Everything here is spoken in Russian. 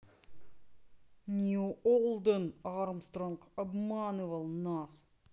нью олден армстронг обманывал нас